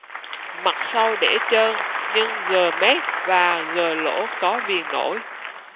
mặt sau để trơn nhưng gờ mép và gờ lỗ có viền nổi